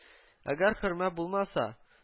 Әгәр хөрмә булмаса